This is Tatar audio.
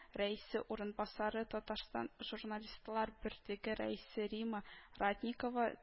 Рәисе урынбасары, Татарстан Журналистлар берлеге рәисе Римма Ратникова